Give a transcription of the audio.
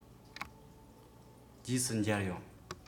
རྗེས སུ མཇལ ཡོང